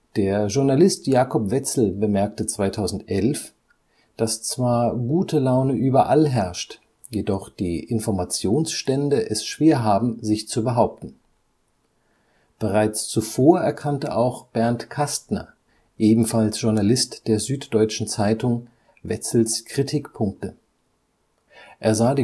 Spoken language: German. Der Journalist Jakob Wetzel bemerkte 2011, dass zwar „ [g] ute Laune überall “herrscht, jedoch „ die Informationsstände […] es schwer [haben], sich zu behaupten “. Bereits zuvor erkannte auch Bernd Kastner, ebenfalls Journalist der Süddeutschen Zeitung, Wetzels Kritikpunkte. Er sah